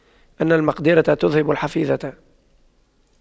إن المقْدِرة تُذْهِبَ الحفيظة